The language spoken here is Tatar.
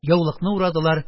Яулыкны урадылар,